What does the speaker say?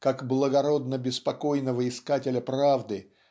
как благородно-беспокойного искателя правды